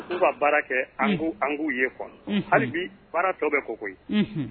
U ka baara kɛ an k'u ye hali bi baara tɔw bɛ ko koyi